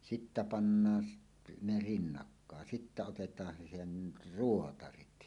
sitten pannaan - ne rinnakkain sitten otetaan se sen ruotarit